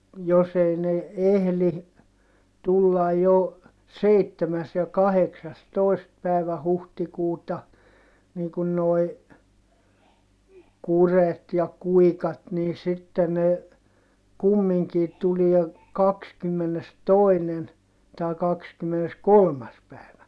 jos ei ne ehdi tulla jo seitsemäs ja kahdeksastoista päivä huhtikuuta niin kuin nuo kurjet ja kuikat niin sitten ne kumminkin tulee kahdeskymmenestoinen tai kaksikymmeneskolmas päivä